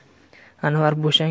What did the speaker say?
anvar bo'shang